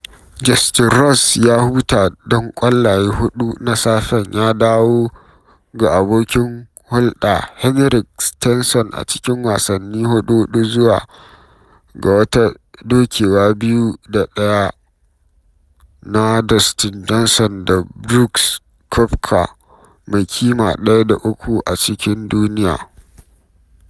Justin Rose, ya huta don ƙwallaye huɗu na safen, ya dawo ga abokin hulɗa Henrik Stenson a cikin wasannin huɗu-huɗu zuwa ga wata dokewa 2 da 1 ci na Dustin Johnson da Brooks Koepka - mai kima ɗaya da uku a cikin duniya.